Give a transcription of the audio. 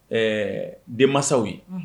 Ɛɛ denmanw ye